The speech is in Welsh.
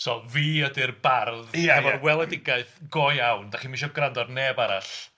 So, fi ydi'r bardd... Ia, ia... efo'r weledigiaeth go iawn, dach chi'm isho gwrando ar neb arall.